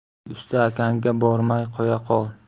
hoy usta akangga bormay qo'ya qol